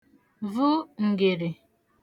vu ǹgìrì